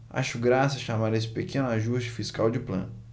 acho graça chamar esse pequeno ajuste fiscal de plano